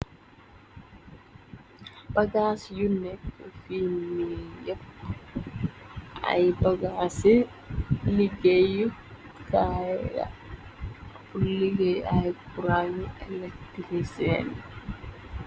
Bagaas yu nekk fini yepp, ay bagaasi liggéeyu kaaya la, pur liggéey ay kuran eletrician .